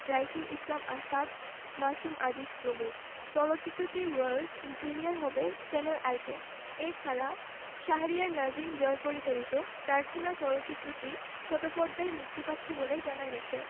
রাইসুল ইসলাম আসাদ মাসুম আজিজ প্রমুখ চলচ্চিত্রটির world premiere হবে চ্যানেল আইতে এ ছাড়া শাহরিয়ার নাজিম জয় পরিচালিত প্রার্থনা চলচ্চিত্রটি ছোট পর্দায় মুক্তি পাচ্ছে বলে জানা গেছে